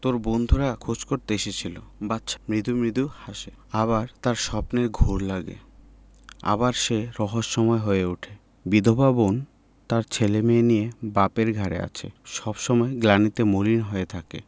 তোর বন্ধুরা খোঁজ করতে এসেছিলো বাদশা মৃদু মৃদু হাসে আবার তার স্বপ্নের ঘোর লাগে আবার সে রহস্যময় হয়ে উঠে বিধবা বোন তার ছেলেমেয়ে নিয়ে বাপের ঘাড়ে আছে সব সময় গ্লানিতে মলিন হয়ে থাকে